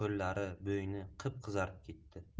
bo'yni qip qizarib ketdi